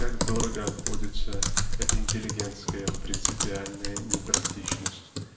как дорого обходится эта интеллигентская "принципиальная" непрактичность